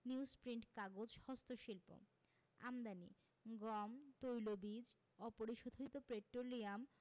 newsprint কাগজ হস্তশিল্প আমদানিঃ গম তৈলবীজ অপরিশোধিত পেট্রোলিয়াম